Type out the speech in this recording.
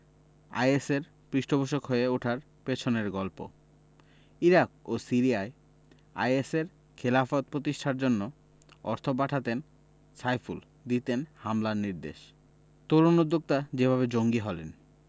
আইএসের পৃষ্ঠপোষক হয়ে ওঠার পেছনের গল্প ইরাক ও সিরিয়ায় আইএসের খিলাফত প্রতিষ্ঠার জন্য অর্থ পাঠাতেন সাইফুল দিতেন হামলার নির্দেশনা তরুণ উদ্যোক্তা যেভাবে জঙ্গি হলেন